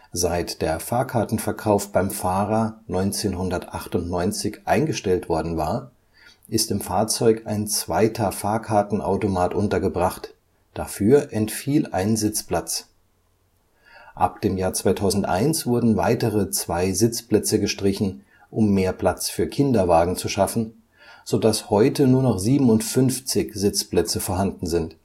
Seit der Fahrkartenverkauf beim Fahrer 1998 eingestellt worden war, ist im Fahrzeug ein zweiter Fahrkartenautomat untergebracht. Dafür entfiel ein Sitzplatz. Ab dem Jahr 2001 wurden weitere zwei Sitzplätze gestrichen, um mehr Platz für Kinderwagen zu schaffen, sodass heute nur noch 57 Sitzplätze vorhanden sind